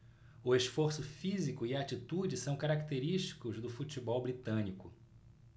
o esforço físico e a atitude são característicos do futebol britânico